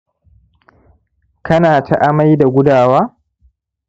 kanata amai da gudawa?